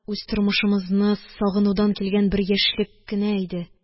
Үз тормышымызны сагынудан килгән бер яшьлек кенә иде.